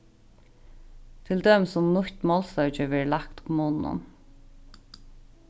til dømis um nýtt málsøki verður lagt kommununum